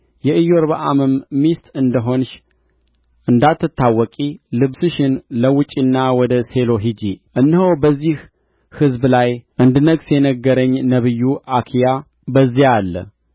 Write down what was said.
የኢዮርብዓምም ሚስት እንደ ሆንሽ እንዳትታወቂ ልብስሽን ለውጪና ወደ ሴሎ ሂጂ እነሆ በዚህ ሕዝብ ላይ እንድነግሥ የነገረኝ ነቢዩ አኪያ በዚያ አለ